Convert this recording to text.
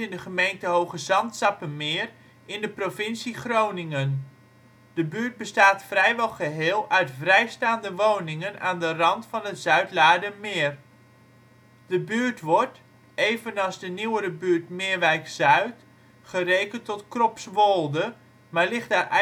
de gemeente Hoogezand-Sappemeer in de provincie Groningen. De buurt bestaat vrijwel geheel uit vrijstaande woningen aan de rand van het Zuidlaardermeer. De buurt wordt, evenals de nieuwere buurt Meerwijck Zuid, gerekend tot Kropswolde, maar ligt daar